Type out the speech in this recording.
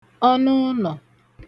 ọnụ ụnọ̀